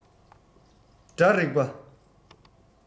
སྒྲ རིག པ